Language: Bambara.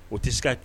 O tɛ se ka